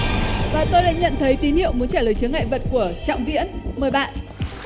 và tôi đã nhận thấy tín hiệu muốn trả lời chướng ngại vật của trọng viễn mời bạn